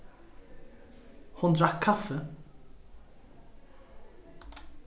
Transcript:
hon drakk kaffi